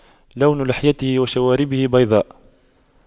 لون لحيته وشواربه بيضاء